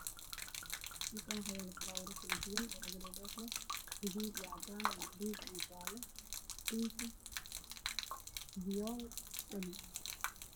Halkaan waxaa yaalo falaawaro kale duwan oo laamo dhaadheer leh midabkiisu waa gaduud iyo jaale ah, gaduud iyo cadaan, bingi, fiyool iyo basali.